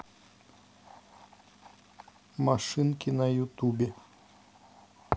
машинки на ютубе